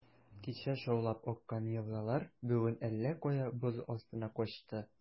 Кичә шаулап аккан елгалар бүген әллә кая, боз астына качты.